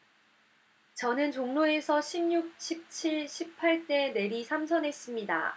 저는 종로에서 십 육 십 칠 십 팔 대 내리 삼선했습니다